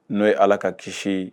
N'o ye ala ka ki ye